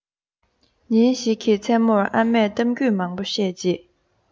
ཉིན ཞིག གི མཚན མོར ཨ མས གཏམ རྒྱུད མང པོ བཤད རྗེས